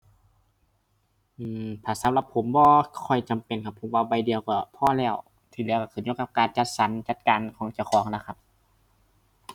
อือ ถ้าสำหรับผมบ่ค่อยจำเป็นครับ เพราะว่าใบเดียวก็พอแล้ว ที่เหลือก็ขึ้นอยู่กับการจัดสรรจัดการของเจ้าของแล้วครับ